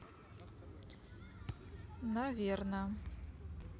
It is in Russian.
наверно